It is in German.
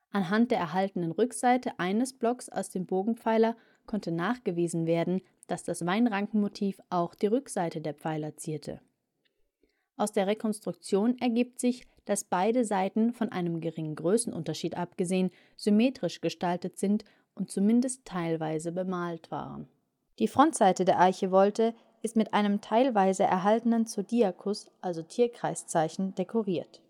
Anhand der erhaltenen Rückseite eines Blockes aus dem Bogenpfeiler konnte nachgewiesen werden, dass das Weinrankenmotiv auch die Rückseite der Pfeiler zierte. Aus der Rekonstruktion ergibt sich, dass beide Seiten, von einem geringen Größenunterschied abgesehen, symmetrisch gestaltet sind und zumindest teilweise bemalt waren. Die Frontseite der Archivolte ist mit einem teilweise erhaltenen Zodiakus (Tierkreiszeichen) dekoriert